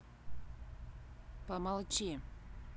помолчи